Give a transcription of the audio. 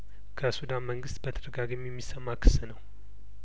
ከሱዳን መንግስት በተደጋጋሚ የሚሰማ ክስ ነው